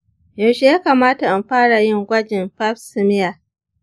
yaushe ya kamata in fara yin gwajin pap smear?